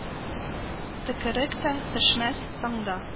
Төкерек тә төшмәс таңда